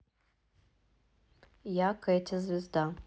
я кэти звезда